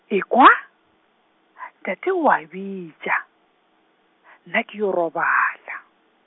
ekwa, tate o a bitša, nna ke yo robala.